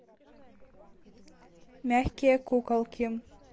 мягкие куколки